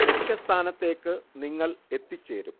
ലക്ഷ്യസ്ഥാനത്തേക്ക് നിങ്ങൾ എത്തിച്ചേരും